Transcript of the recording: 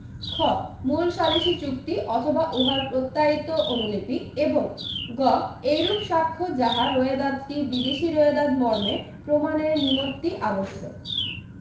খ মূল সালিসী চুক্তি অথবা উহার প্রত্যায়িত অনুলিপি এবং গ এইরূপ সাক্ষ্য যাহা রোয়েদাদটি বিদেশী রোয়েদাদ মর্মে প্রমাণের নিমত্তি আবশ্যক